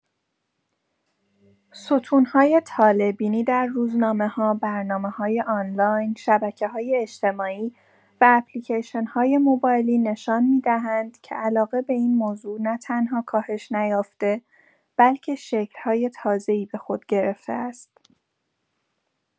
ستون‌های طالع‌بینی در روزنامه‌ها، برنامه‌‌های آنلاین، شبکه‌های اجتماعی و اپلیکیشن‌های موبایلی نشان می‌دهند که علاقه به این موضوع نه‌تنها کاهش نیافته، بلکه شکل‌های تازه‌ای به خود گرفته است.